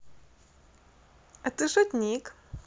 а ты шутник